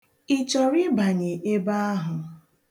Ị chọrọ ịbanye ebe ahụ?